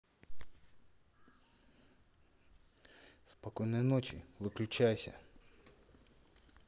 спокойной ночи выключайся